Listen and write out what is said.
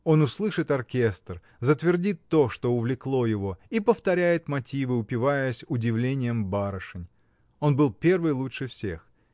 Он услышит оркестр, затвердит то, что увлекло его, и повторяет мотивы, упиваясь удивлением барышень: он был первый, лучше всех